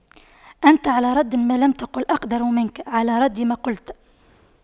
أنت على رد ما لم تقل أقدر منك على رد ما قلت